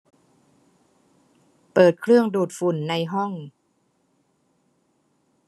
เปิดเครื่องดูดฝุ่นในห้อง